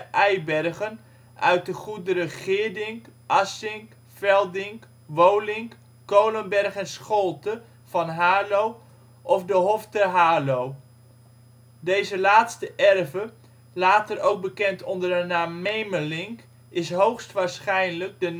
Eibergen uit de goederen Geerdink, Assink, Veldink, Wolink, Kolenberg en Scholte van Haarlo of de Hof te Haarlo. Deze laatste erve, later ook bekend onder de naam Memelink, is hoogstwaarschijnlijk de